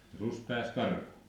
ja susi pääsi karkuun